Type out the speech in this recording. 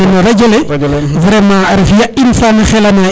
no radio le vraiment a ref ya in fa na xela na in